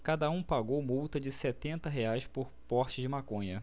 cada um pagou multa de setenta reais por porte de maconha